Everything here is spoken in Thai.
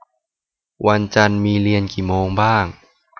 วันจันทร์มีเรียนกี่โมงบ้าง